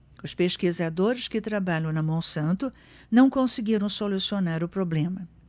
os pesquisadores que trabalham na monsanto não conseguiram solucionar o problema